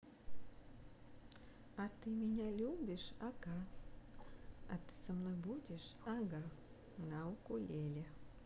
а ты меня любишь ага а ты со мной будешь ага на укулеле